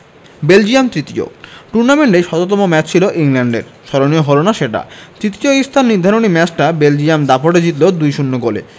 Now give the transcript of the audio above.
Belgium তৃতীয় টুর্নামেন্টে শততম ম্যাচ ছিল ইংল্যান্ডের স্মরণীয় হলো না সেটা তৃতীয় স্থান নির্ধারণী ম্যাচটা বেলজিয়াম দাপটে জিতল ২ ০ গোলে